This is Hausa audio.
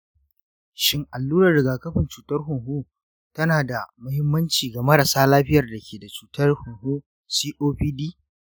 shin allurar riga-kafin cutar huhu tana da mahimmanci ga marasa lafiyar da ke da cutar huhu copd?